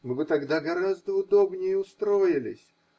Мы бы тогда гораздо удобнее устроились.